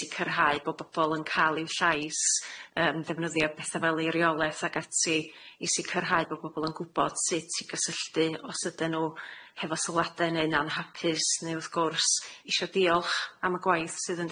sicirhau bo' bobol yn ca'l i'w llais yym defnyddio pethe fel ireoleth ag ati i sicirhau bo' bobol yn gwbod sut i gysylltu os ydyn nw hefo sylwade neu'n anhapus neu wrth gwrs isio diolch am y gwaith sydd yn